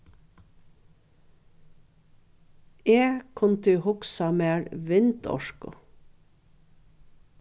eg kundi hugsað mær vindorku